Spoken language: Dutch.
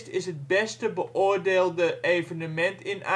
is het beste beoordeelde evenement in Amersfoort